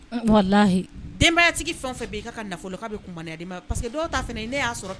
Denbaya